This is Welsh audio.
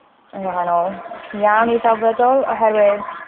yn wahanol. Iawn i delfrydol oherwydd